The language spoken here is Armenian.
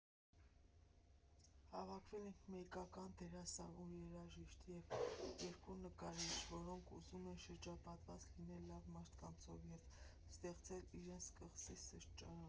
Հավաքվել են մեկական դերասան ու երաժիշտ և երկու նկարիչ, որոնք «ուզում են շրջապատված լինել լավ մարդկանցով» և ստեղծել իրենց ԿՂԶԻ֊սրճարանը։